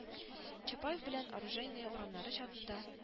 Чапаев белән Оружейная урамнары чатында